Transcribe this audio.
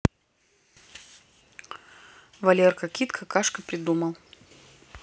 валерка кит какашка придумал